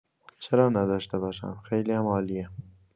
چرا نداشته باشم، خیلی هم عالیه.